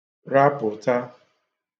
rapụ̀ta